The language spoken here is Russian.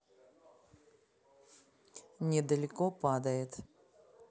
недалеко падает